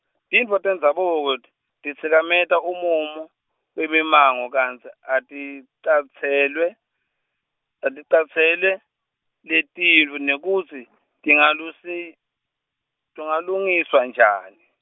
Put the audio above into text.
tintfo tendzabuko t-, titsikameta umumo, wemimango kantsi aticatselwe-, aticatsele-, letintfo nekutsi tingalusi- tingalungiswa njani.